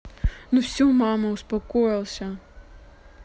ну все мама успокоился